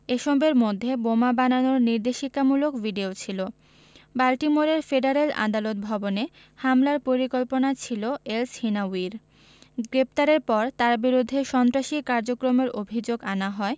এসবের মধ্যে বোমা বানানোর নির্দেশিকামূলক ভিডিও ছিল বাল্টিমোরের ফেডারেল আদালত ভবনে হামলার পরিকল্পনা ছিল এলসহিনাউয়ির গ্রেপ্তারের পর তাঁর বিরুদ্ধে সন্ত্রাসী কার্যক্রমের অভিযোগ আনা হয়